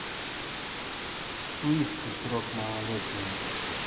слышь ты срок малолетняя